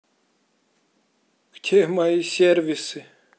где мои сервисы